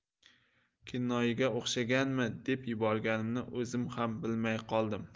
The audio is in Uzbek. kennoyiga o'xshaganmi deb yuborganimni o'zim ham bilmay qoldim